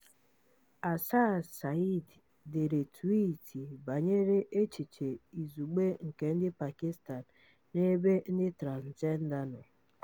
Asad Zaidi dere twiiti banyere echiche izugbe nke ndị Pakistan n'ebe ndị transịjenda nọ: